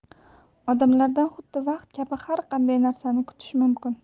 odamlardan xuddi vaqt kabi har qanday narsani kutish mumkin l